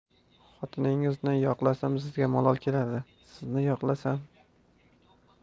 xotiningizni yoqlasam sizga malol keladi sizni yoqlasam